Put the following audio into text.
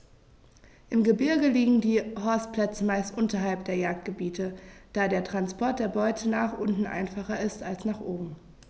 Im Gebirge liegen die Horstplätze meist unterhalb der Jagdgebiete, da der Transport der Beute nach unten einfacher ist als nach oben.